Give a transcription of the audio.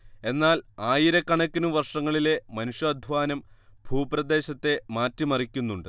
എന്നാൽ ആയിരക്കണക്കിനു വർഷങ്ങളിലെ മനുഷ്യാധ്വാനം ഭൂപ്രദേശത്തെ മാറ്റിമറിക്കുന്നുണ്ട്